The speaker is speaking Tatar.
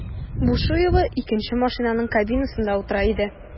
Бушуева икенче машинаның кабинасында утыра иде.